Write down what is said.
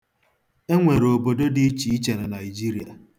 E nwere obodo dị iche iche na Naịjirịa.